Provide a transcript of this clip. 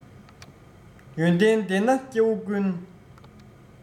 ཡོན ཏན ལྡན ན སྐྱེ བོ ཀུན